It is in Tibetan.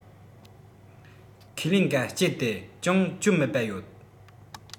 ཁས ལེན གཱ སྤྱད དེ ཅུང གྱོང མེད པ ཡོད